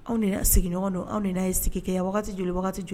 Anw sigiɲɔgɔn don anw ni'a sigi kɛ yan joli jɔ